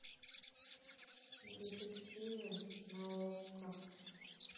детективы на окко